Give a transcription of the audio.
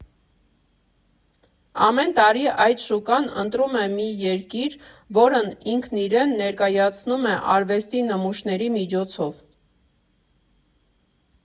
Ամեն տարի այդ շուկան ընտրում է մի երկիր, որն ինքն իրեն ներկայացնում է արվեստի նմուշների միջոցով։